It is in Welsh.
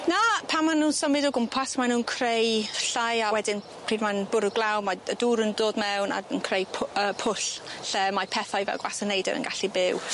Na pan ma' nw'n symud o gwmpas mae nw'n creu llai a wedyn pryd mae'n bwrw glaw mae yy dŵr yn dod mewn ac yn creu pw- yy pwll lle mae pethau fel gwas y neidyr yn gallu byw.